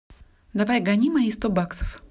давай гони мои сто баксов